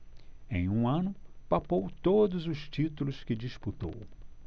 em um ano papou todos os títulos que disputou